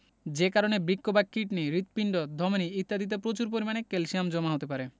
যে কারণে বৃক্ক বা কিডনি হৃৎপিণ্ড ধমনি ইত্যাদিতে প্রচুর পরিমাণে ক্যালসিয়াম জমা হতে পারে